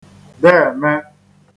dèème